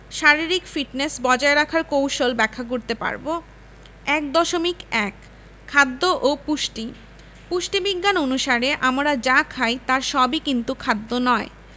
শারীরিক ফিটনেস বজায় রাখার কৌশল ব্যাখ্যা করতে পারব ১.১ খাদ্য ও পুষ্টি পুষ্টিবিজ্ঞান অনুসারে আমরা যা খাই তার সবই কিন্তু খাদ্য নয়